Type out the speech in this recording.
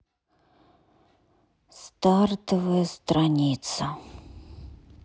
стартовая страница